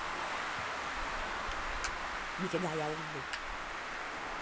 нифига я умный